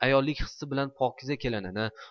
ayollik hissi bilan pokiza kelinini